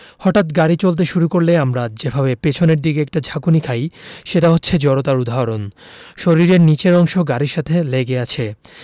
হঠাৎ গাড়ি চলতে শুরু করলে আমরা যেভাবে পেছনের দিকে একটা ঝাঁকুনি খাই সেটা হচ্ছে জড়তার উদাহরণ শরীরের নিচের অংশ গাড়ির সাথে লেগে আছে